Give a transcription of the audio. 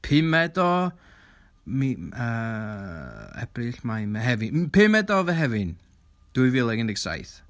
Pumed o mi- yy Ebrill, Mai, Mehefin, pumed o Fehefin dwy fil a un deg saith.